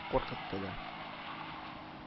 Куркытты да